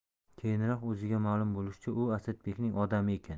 keyinroq o'ziga ma'lum bo'lishicha u asadbekning odami ekan